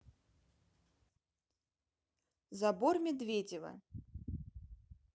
забор медведева